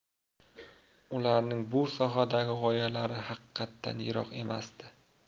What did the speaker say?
ularning bu sohadagi g'oyalari haqiqatdan yiroq emasdi